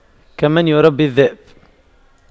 كمن يربي الذئب